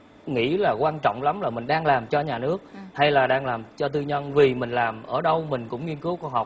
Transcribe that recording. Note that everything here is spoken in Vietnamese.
nghĩ là quan trọng lắm mình đang làm cho nhà nước hay là đang làm cho tư nhân vì mình làm ở đâu mình cũng nghiên cứu khoa học